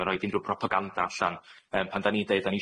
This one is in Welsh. roid unryw propaganda allan yym pan 'dan ni'n deud 'dan ni